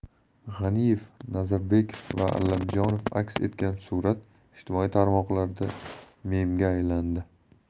g'aniyev nazarbekov va allamjonov aks etgan surat ijtimoiy tarmoqlarda memga aylandi